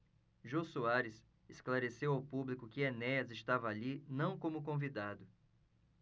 jô soares esclareceu ao público que enéas estava ali não como convidado